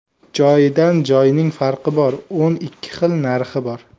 joydan joyning farqi bor o'n ikki xil narxi bor